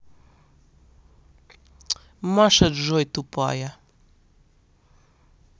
маша джой тупая